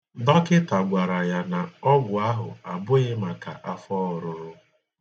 Dọkịta gwara ya na ọgwu ahụ abụghị maka afọ ọrụrụ.